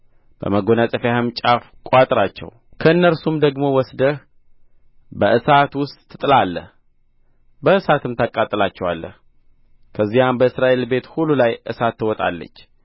በመጐናጸፊያህም ጫፍ ቋጥራቸው ከእነርሱም ደግሞ ወስደህ በእሳት ውስጥ ትጥላለህ በእሳትም ታቃጥላቸዋለህ ከዚያም በእስራኤል ቤት ሁሉ ላይ እሳት ትወጣለች